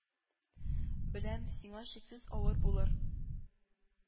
Беләм, сиңа чиксез авыр булыр,